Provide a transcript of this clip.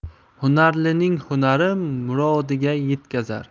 hunarlining hunari murodiga yetkazar